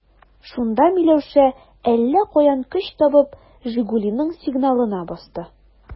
Шунда Миләүшә, әллә каян көч табып, «Жигули»ның сигналына басты.